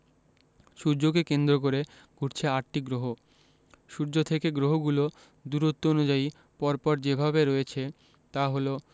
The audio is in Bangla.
সূর্যকে কেন্দ্র করে ঘুরছে আটটি গ্রহ সূর্য থেকে গ্রহগুলো দূরত্ব অনুযায়ী পর পর যেভাবে রয়েছে তা হলো